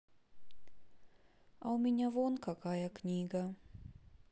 а у меня вон какая книга